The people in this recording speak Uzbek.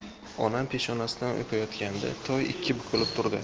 onam peshonasidan o'payotganda toy ikki bukilib turdi